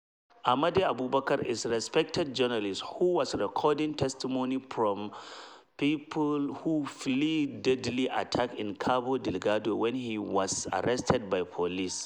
Amade Abubacar is a respected journalist who was recording testimony from people who fled deadly attacks in Cabo Delgado when he was arrested by police.